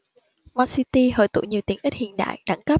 mon city hội tụ nhiều tiện ích hiện đại đẳng cấp